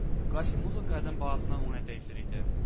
Классик музыка адәм баласына уңай тәэсир итә